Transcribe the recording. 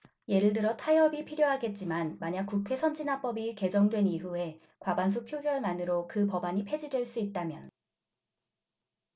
예를 들어 타협이 필요하겠지만 만약 국회선진화법이 개정된 이후에 과반수 표결만으로 그 법안이 폐지될 수 있다면